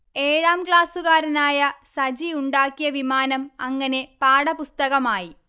ഏഴാം ക്ലാസ്സുകാരനായ സജി ഉണ്ടാക്കിയ വിമാനം അങ്ങനെ പാഠപുസ്തകമായി